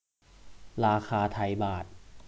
ราคาไทยบาท